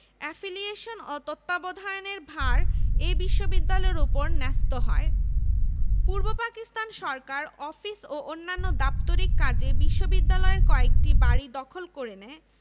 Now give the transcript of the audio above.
affiliation ও তত্ত্বাবধানের ভার এ বিশ্ববিদ্যালয়ের ওপর ন্যস্ত হয় পূর্ব পাকিস্তান সরকার অফিস ও অন্যান্য দাপ্তরিক কাজে বিশ্ববিদ্যালয়ের কয়েকটি বাড়ি দখল করে নেয়